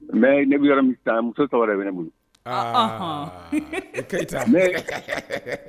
Mɛ ne bɛ yɔrɔ muso tɔgɔ wɛrɛ bɛ ne bolo